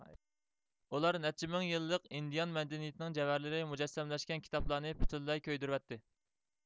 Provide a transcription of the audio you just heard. ئۇلار نەچچە مىڭ يىللىق ئىندىئان مەدەنىيىتىنىڭ جەۋھەرلىرى مۇجەسسەملەشكەن كىتابلارنى پۈتۈنلەي كۆيدۈرۈۋەتتى